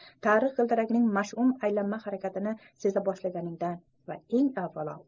tarix g'ildiragining mash'um aylanma harakatlarini seza boshlaganingdan va eng avvalo